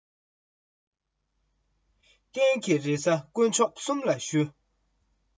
རིན ཆེན སྐར མའི བདག པོའི བཀའ དང བསྟུན